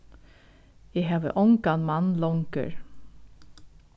eg havi ongan mann longur